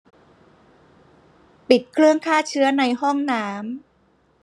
ปิดเครื่องฆ่าเชื้อในห้องน้ำ